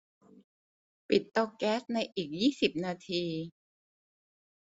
ปิดเตาแก๊สในอีกยี่สิบนาที